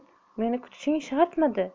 meni kutishing shartmidi